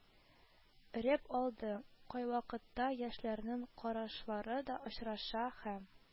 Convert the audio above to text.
Реп алды: кайвакытта яшьләрнең карашлары да очраша, һәм